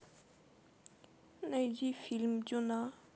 найди фильм дюна